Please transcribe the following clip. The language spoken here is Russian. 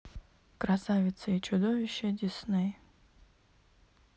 красавица и чудовище дисней